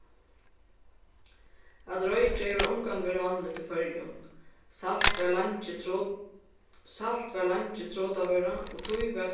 at roykja hevur ongantíð verið vanligt í føroyum salt var leingi salt var leingi trotavøra og tí var